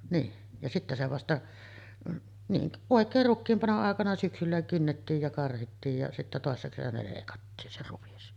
niin ja sitten se vasta niin oikein rukiin panon aikana syksyllä kynnettiin ja karhittiin ja sitten toisena kesänä leikattiin se ruis